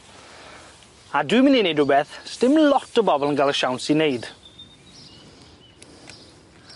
A dwi'n myn' i neud rwbeth sdim lot o bobol yn ga'l y siawns i neud.